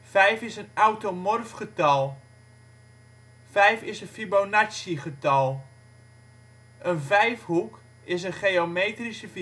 Vijf is een automorf getal. Vijf is een Fibonaccigetal. Een vijfhoek is een geometrische